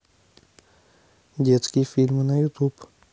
детские фильмы на ютюб